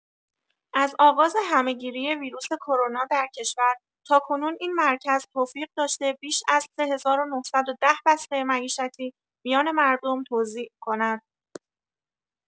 از آغاز همه‌گیری ویروس کرونا در کشور تاکنون این مرکز توفیق داشته بیش از ۳۹۱۰ بسته معیشتی میان مردم توزیع کند.